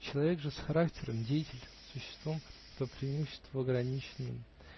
человек же с характером, деятель, - существом по преимуществу ограниченным.